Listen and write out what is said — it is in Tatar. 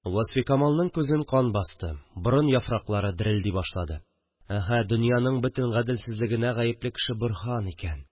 Васфикамалның күзен кан басты, борын яфраклары дерелди башлады Әһә, дөньяның бөтен гаделсезлегенә гаепле кеше Борһан икән